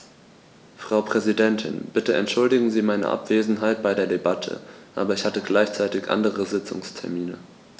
Frau Präsidentin, bitte entschuldigen Sie meine Abwesenheit bei der Debatte, aber ich hatte gleichzeitig andere Sitzungstermine.